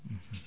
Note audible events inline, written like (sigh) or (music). (hesitation) (hesitation)